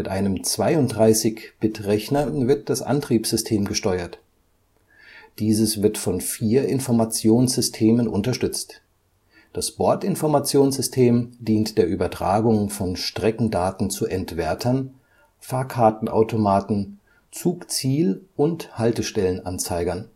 einem 32-Bit-Rechner wird das Antriebssystem gesteuert. Dieses wird von vier Informationssystemen unterstützt. Das Bordinformationssystem dient der Übertragung von Streckendaten zu Entwertern, Fahrkartenautomaten, Zugziel - und Haltestellenanzeigern